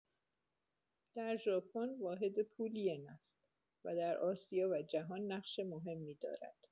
در ژاپن واحد پول ین است و در آسیا و جهان نقش مهمی دارد.